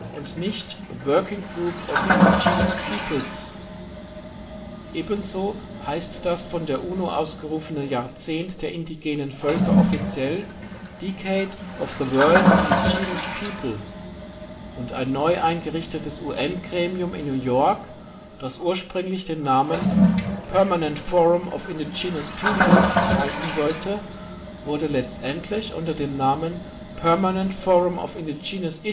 und nicht " Working Group on Indigenous Peoples ". Ebenso heißt das von der UNO ausgerufene Jahrzehnt der Indigenen Völker offiziell " Decade of the World 's Indigenous People " und ein neu eingerichtes UN-Gremium in New York, das ursprünglich den Namen " Permanent Forum on Indigenous Peoples " erhalten sollte, wurde letztendlich unter dem Namen " Permanent Forum on Indigenous Issues